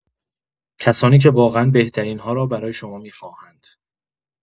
کسانی که واقعا بهترین‌ها را برای شما می‌خواهند.